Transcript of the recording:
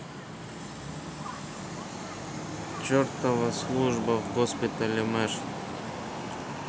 чертова служба в госпитале мэш